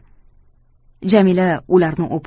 jamila ularni o'par